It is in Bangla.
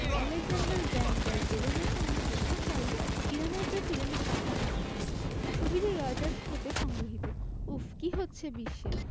আলেক্সান্ডার ভ্যান ডার বেলেনের সঙ্গে বৈঠক করেন ইরানের প্রেসিডেন্ট হাসান রুহানি ছবিটি রয়টার্স হথে সংগৃহীত উফ্ কী হচ্ছে বিশ্বে